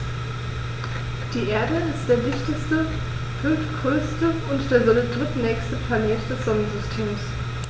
Die Erde ist der dichteste, fünftgrößte und der Sonne drittnächste Planet des Sonnensystems.